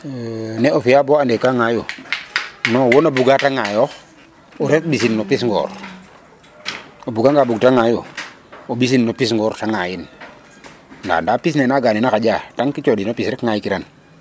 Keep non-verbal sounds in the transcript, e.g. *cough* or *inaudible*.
*hesitation* Nam o fi'a bo ande ka ŋaayu non wo na buga te ŋaayoox o ret ɓisin no pis ngoor *noise* .O buganga bug te ŋaayu o ɓisin no pis ngoor ta ŋaayin *noise* nda anda pis ne nangan a xaƴa tank cooxino pis rek ŋaaykiran.